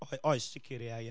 Oe- oes, sicr, ia ia.